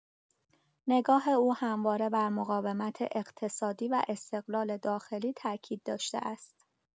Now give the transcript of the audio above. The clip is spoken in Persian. نگاه او همواره بر مقاومت اقتصادی و استقلال داخلی تأکید داشته است.